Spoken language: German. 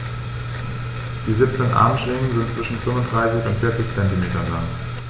Die 17 Armschwingen sind zwischen 35 und 40 cm lang.